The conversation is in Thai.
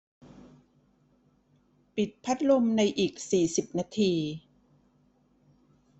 ปิดพัดลมในอีกสี่สิบนาที